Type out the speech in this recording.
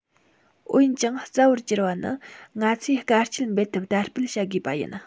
འོན ཀྱང རྩ བར གྱུར པ ནི ང ཚོས དཀའ སྤྱད འབད འཐབ དར སྤེལ བྱ དགོས པ ཡིན